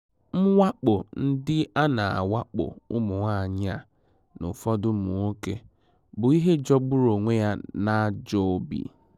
Mwakpo ndị a na-awakpo ụmụnwaanyị a (na ụfọdụ ụmụ nwoke) bụ ihe jọgburu onwe ya na ajọọ obi.